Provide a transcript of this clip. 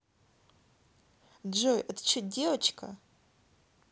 джой а ты че девочка